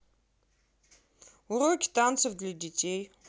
уроки танцев для детей